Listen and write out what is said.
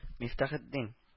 – мифтахетдин